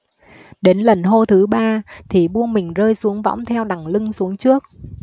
đến lần hô thứ ba thì buông mình rơi xuống võng theo đằng lưng xuống trước